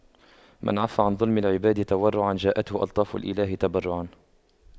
من عَفَّ عن ظلم العباد تورعا جاءته ألطاف الإله تبرعا